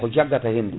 ko jaggata hendu